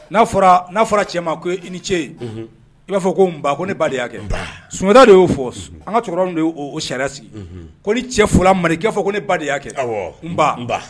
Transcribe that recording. N'a fɔra n'a fɔra cɛ ma ko i ni ce ye i b'a fɔ ko nba ko ne ba' kɛ sunjatada de y'o fɔ an ka cɛkɔrɔba y'o sariyasi ko ni cɛ filala mari' fɔ ko ne ba de y'a kɛ n